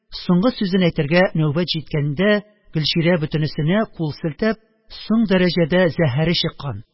Соңгы сүзен әйтергә нәүбәт җиткәндә, гөлчирә бөтенесенә кул селтәп, соң дәрәҗәдә зәһәре чыккан